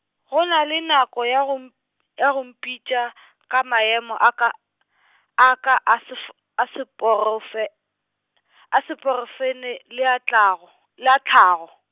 go na le nako ya go m-, ya go mpitša , ka maemo a ka , a ka se f-, a se profe- , a se profene- le a tlago, la tlhago.